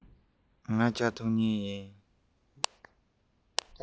ཡིན གསོལ ཇ མངར མོ རེད པས